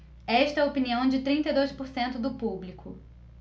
esta é a opinião de trinta e dois por cento do público